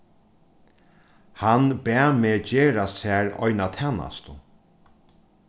hann bað meg gera sær eina tænastu